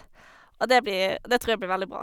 Og det blir det tror jeg blir veldig bra.